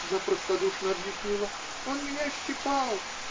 Она простодушно объяснила: -- Он меня щипал.